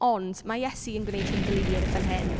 Ond, mae Iesu yn gwneud hi'n glir fan hyn.